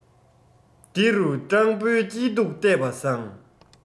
འདི རུ སྤྲང པོའི སྐྱིད སྡུག བལྟས པ བཟང